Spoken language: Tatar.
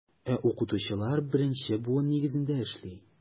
Ә укытучылар беренче буын нигезендә эшли.